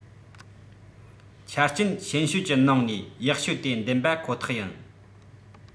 ཆ རྐྱེན ཞན ཤོས ཀྱི ནང ནས ཡག ཤོས དེ འདེམས པ ཁོ ཐག ཡིན